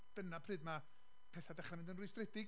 dyna pryd mae petha'n dechrau mynd yn rwystredig,